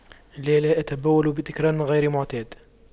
لا لا أتبول بتكرار غير معتاد